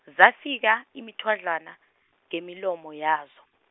zafika, imithwadlana, ngemilomo yazo.